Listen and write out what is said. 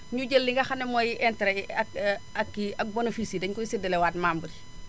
énu jël li nga xam ne mooy interet yi ak ak kii ak bénéfice yi dañu koy séddalewaat membres yi